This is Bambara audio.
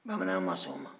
bamananya ma sɔn o ma